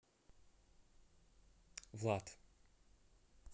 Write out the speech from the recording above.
влад